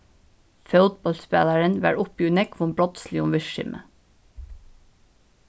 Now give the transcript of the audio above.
fótbóltsspælarin var uppi í nógvum brotsligum virksemi